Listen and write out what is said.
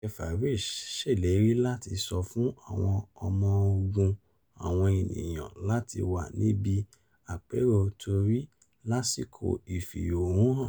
Nigel Farage ṣèlérí láti 'sọ fún àwọn ọmọ ogun àwọn ènìyàn láti wà' níbi àpérò Tory lásìkò ìfẹ̀honúhàn.